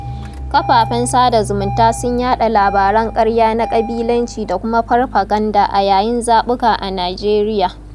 Kafafen sada zumunta sun yaɗa labaran ƙarya na ƙabilanci da kuma farfaganda a yayin zaɓuka a Nijeriya.